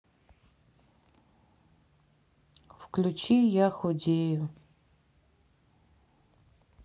включи я худею